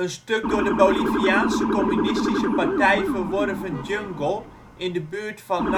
stuk door de Boliviaanse communistische partij verworven jungle in de buurt van